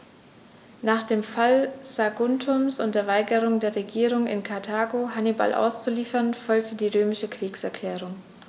Nach dem Fall Saguntums und der Weigerung der Regierung in Karthago, Hannibal auszuliefern, folgte die römische Kriegserklärung.